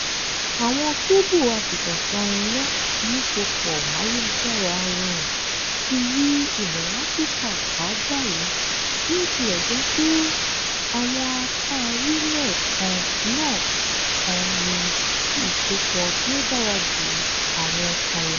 Àwọn kébù afìtànsán-iná-músopọ̀máyélujára-rọrùn ti yí ilẹ̀ Áfíríkà ká báyìí, bí ó tilẹ̀ jẹ́ pé àwọn apá orílẹ̀ náà kan ní ìsopọ̀ tí ó dára ju àwọn kan lọ.